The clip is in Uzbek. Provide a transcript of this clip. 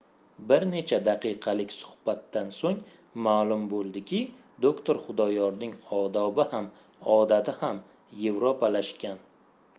bir necha daqiqalik suhbatdan so'ng ma'lum bo'ldiki doktor xudoyorning odobi ham odati ham yevropalashgan